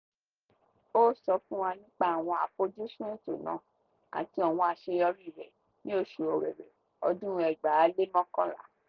Ó sọ fún wa nípa àwọn àfojúsùn ètò náà àti àwọn àṣeyọrí rẹ̀ ní oṣù Ọ̀wẹ̀wẹ̀ ọdún 2011.